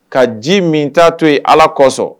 Ka ji min taaa to ye ala kosɔn